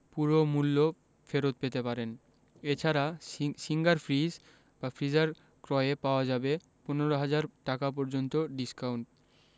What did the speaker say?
পুরো মূল্য ফেরত পেতে পারেন এ ছাড়া সি সিঙ্গার ফ্রিজ ফ্রিজার ক্রয়ে পাওয়া যাবে ১৫ ০০০ টাকা পর্যন্ত ডিসকাউন্ট